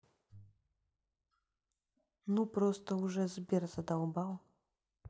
ну просто уже сбер задолбал